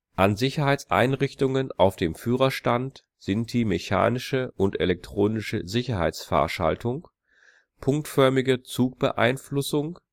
An Sicherheitseinrichtungen auf dem Führerstand sind die mechanische oder elektronische Sicherheitsfahrschaltung, Punktförmige Zugbeeinflussung